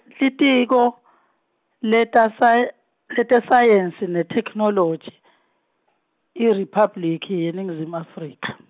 Litiko, letasai- Letesayensi neTheknoloji , IRiphabliki, yeNingizimu Afrika.